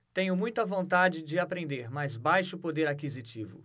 tenho muita vontade de aprender mas baixo poder aquisitivo